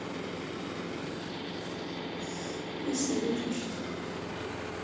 песню выключить